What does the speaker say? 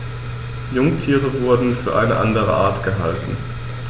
Jungtiere wurden für eine andere Art gehalten.